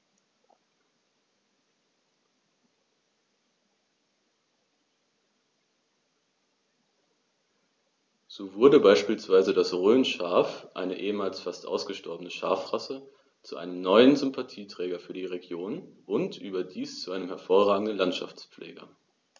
So wurde beispielsweise das Rhönschaf, eine ehemals fast ausgestorbene Schafrasse, zu einem neuen Sympathieträger für die Region – und überdies zu einem hervorragenden Landschaftspfleger.